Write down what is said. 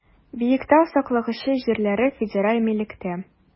Биектау саклагычы җирләре федераль милектә.